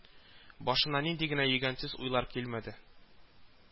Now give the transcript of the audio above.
Башына нинди генә йөгәнсез уйлар килмәде